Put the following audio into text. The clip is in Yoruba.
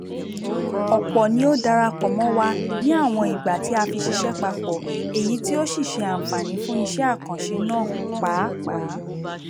Ọ̀pọ̀ ni ó darapọ̀ mọ́ wa ní àwọn ìgbà tí a fi ṣiṣẹ́ papọ̀, èyí tí ó sì ṣe àǹfààní fún iṣẹ́ àkànṣe náà pàápàá.